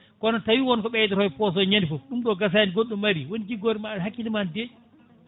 kono tawi wonko ɓeydita e poos o ñande foo ɗum ɗo gasani goɗɗum ari woni jiggorema an hakkille ma ene deeƴi